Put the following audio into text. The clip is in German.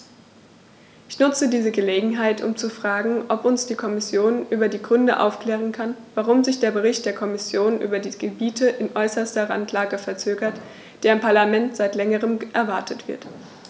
Ich nutze diese Gelegenheit, um zu fragen, ob uns die Kommission über die Gründe aufklären kann, warum sich der Bericht der Kommission über die Gebiete in äußerster Randlage verzögert, der im Parlament seit längerem erwartet wird.